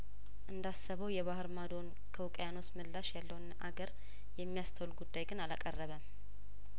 እንዳሰ በው የባህር ማዶውን ከውቅያኖሶች ምላሽ ያለውን አገር የሚያስተውል ጉዳይግን አላቀረ በም